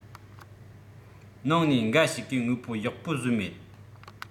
ནང ནས འགའ ཞིག གིས དངོས པོ ཡག པོ བཟོས མེད